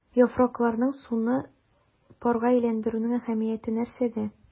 Яфракларның суны парга әйләндерүнең әһәмияте нәрсәдә?